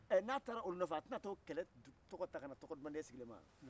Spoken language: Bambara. ɛ n'a taara o nofɛ a tɛna taa o kɛlɛ tɔgɔ ta ka na tɔgɔ duman d'e sigilen ma wa